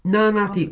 Na, nadi.